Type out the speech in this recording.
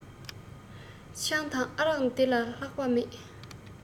ཆང དང ཨ རག འདི ལས ལྷག པ མེད